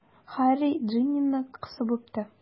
Һарри Джиннины кысып үпте.